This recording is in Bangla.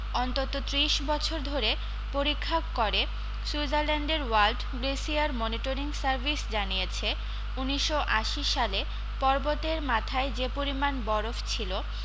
অন্তত ত্রিশ বছর ধরে পরীক্ষা করে সুইজারল্যান্ডের ওয়ার্ল্ড গ্লেসিয়ার মনিটরিং সার্ভিস জানিয়েছে উনিশশো আশি সালে পর্বতের মাথায় যে পরিমাণ বরফ ছিল